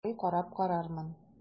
Ярый, карап карармын...